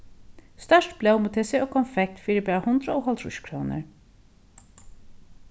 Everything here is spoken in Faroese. stórt blómutyssi og konfekt fyri bara hundrað og hálvtrýss krónur